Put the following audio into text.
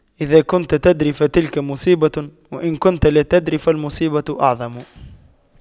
إذا كنت تدري فتلك مصيبة وإن كنت لا تدري فالمصيبة أعظم